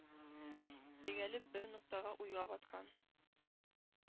Тегәлеп бер ноктага уйга баткан.